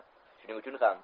shuning uchun ham